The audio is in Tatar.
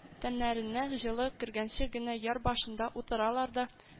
Тәннәренә җылы кергәнче генә яр башында утыралар да